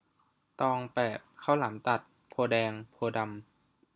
ตองแปดข้าวหลามตัดโพธิ์แดงโพธิ์ดำ